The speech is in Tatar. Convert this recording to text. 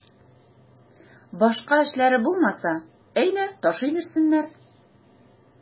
Башка эшләре булмаса, әйдә ташый бирсеннәр.